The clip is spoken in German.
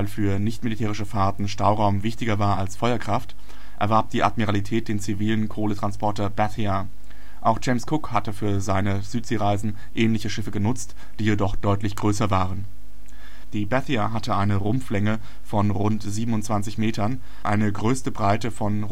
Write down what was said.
für nichtmilitärische Fahrten Stauraum wichtiger war als Feuerkraft, erwarb die Admiralität den zivilen Kohletransporter Bethia. Auch James Cook hatte für seine Südseereisen ähnliche Schiffe genutzt, die jedoch deutlich größer waren. Die Bethia hatte eine Rumpflänge von rund 27 m, eine größte Breite von